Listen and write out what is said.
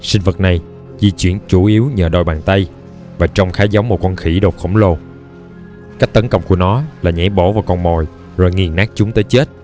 sinh vật này di chuyển chủ yếu nhờ đôi bàn tay và trông khá giống một con khỉ đột khổng lồ cách tấn công của nó là nhảy bổ vào con mồi rồi nghiền nát chúng tới chết